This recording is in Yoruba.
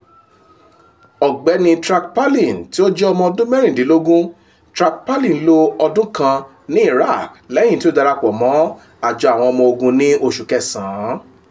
Ògbẹ́ni Track Palin tí ó jẹ́ ọmọ ọdún mẹ́rìndínlógún Track Palin lo ọdún kan ní Iraq lẹ́yìn tí ó darapọ̀ mọ́ àjọ àwọn ọmọ ogun ní oṣù kẹsàán.